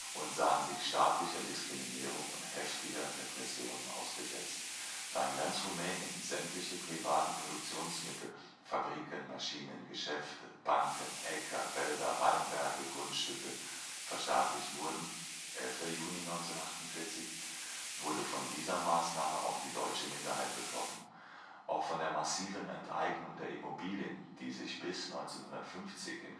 und sahen sich staatlicher Diskriminierung und heftiger Repression ausgesetzt. Da in ganz Rumänien sämtliche privaten Produktionsmittel (Fabriken, Maschinen, Geschäfte, Banken, Äcker, Wälder, Weinberge, Grundstücke) verstaatlicht wurden (11 Juni 1948), wurde von dieser Maßnahme auch die Deutsche Minderheit betroffen. Auch von der massiven Enteignung der Immobilien, die sich bis 1950